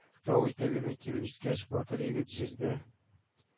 Тау итәгенә килеп җиткәч, батыр егет җирдә